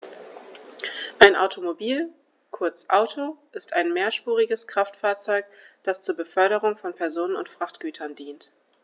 Ein Automobil, kurz Auto, ist ein mehrspuriges Kraftfahrzeug, das zur Beförderung von Personen und Frachtgütern dient.